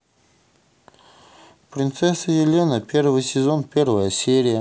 принцесса елена первый сезон первая серия